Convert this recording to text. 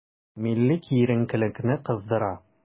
Милли киеренкелекне кыздыра.